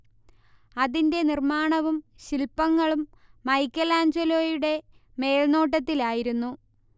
അതിന്റെ നിർമ്മാണവും ശില്പങ്ങളും മൈക്കെലാഞ്ചലോയുടെ മേൽനോട്ടത്തിലായിരുന്നു